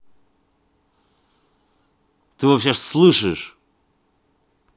ты вообще слышишь